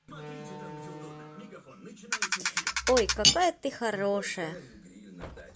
ой какая ты хорошая